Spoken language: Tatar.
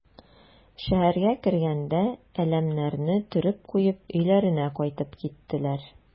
Шәһәргә кергәндә әләмнәрне төреп куеп өйләренә кайтып киттеләр.